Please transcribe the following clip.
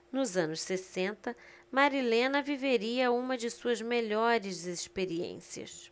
nos anos sessenta marilena viveria uma de suas melhores experiências